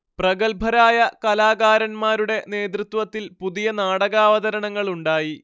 പ്രഗല്ഭരായ കലാകാരന്മാരുടെ നേതൃത്വത്തിൽ പുതിയ നാടകാവതരണങ്ങളുണ്ടായി